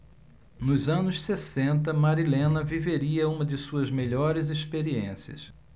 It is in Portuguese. nos anos sessenta marilena viveria uma de suas melhores experiências